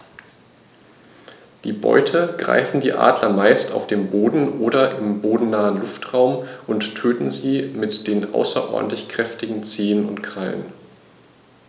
Die Beute greifen die Adler meist auf dem Boden oder im bodennahen Luftraum und töten sie mit den außerordentlich kräftigen Zehen und Krallen.